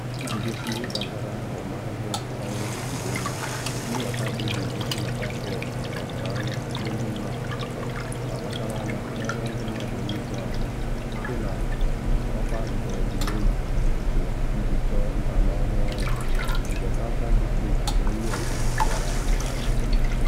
Iji gosi ihe kpatara ntaramahụhụ ọnwụ ji dị mma, ndị ọkaikpe ga-egosi na Saipov “kpachara anya” gbuo ndị mmadụ asatọ ma “kpachara anya” merụọ ndị mmadụ nnukwu ahụ, site n’ọkwa nke ebumnuche iji chọọ ntaramahụhụ ọnwụ, nke Southern District nke New York gbara n’akwụkwọ.